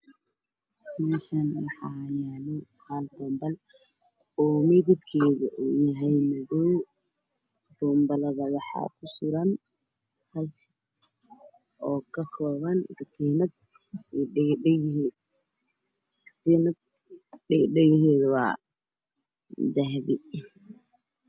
Meeshaan waxaa yaalo boonbalo madow ah waxaa suran hal sad oo ah katiinad, dhago dahabi ah.